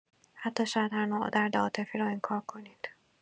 حتی شاید هر نوع درد عاطفی را انکار کنید.